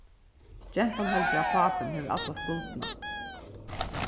gentan heldur at pápin hevur alla skuldina